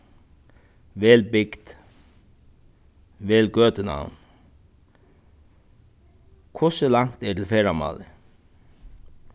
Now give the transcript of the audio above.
vel bygd vel gøtunavn hvussu langt er til ferðamálið